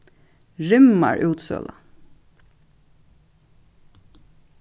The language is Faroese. rimmar útsøla